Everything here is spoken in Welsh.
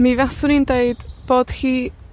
mi faswn i'n deud bod hi